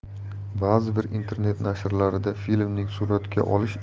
ba'zi bir internet nashrlarida filmning suratga olish